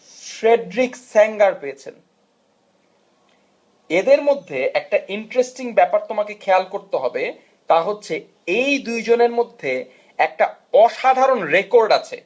Friedrich Sanger পেয়েছেন এদের মধ্যে একটা ইন্টারেস্টিং ব্যাপার তোমাকে খেয়াল করতে হবে তা হল এই দুজনের মধ্যে একটা অসাধারন রেকর্ড আছে